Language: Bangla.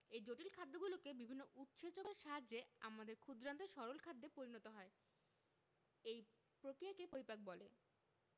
এই জটিল খাদ্যগুলো বিভিন্ন উৎসেচকের সাহায্যে আমাদের ক্ষুদ্রান্তে সরল খাদ্যে পরিণত হয় এই প্রক্রিয়াকে পরিপাক বলে